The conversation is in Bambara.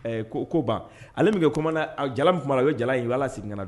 Ɛɛ ko ban ale min kɛla comandant ye jala min kun ba la o kɛla sababu ye a lasegin na